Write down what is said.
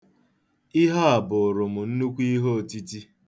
Ihe a bụụrụ m nnukwu iheotiti.